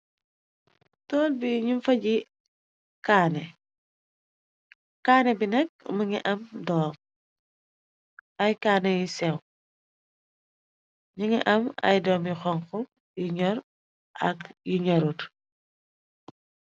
Toul bi nung fa gi kanè, kanè bi nak mungi am doom. Ay kanè yu sèw nungi am ay doom yu honku yu nurr ak yu nurut.